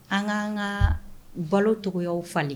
An kaan ka balocogow falen